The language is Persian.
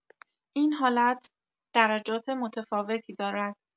این حالت درجات متفاوتی دارد.